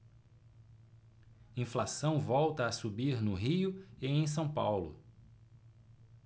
inflação volta a subir no rio e em são paulo